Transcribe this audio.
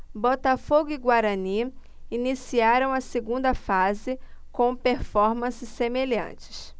botafogo e guarani iniciaram a segunda fase com performances semelhantes